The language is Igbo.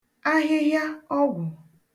ahịhịa ọgwụ̀